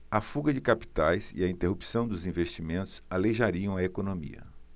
a fuga de capitais e a interrupção dos investimentos aleijariam a economia